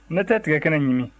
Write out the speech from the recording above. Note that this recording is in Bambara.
ne tɛ tigakɛnɛ ɲimi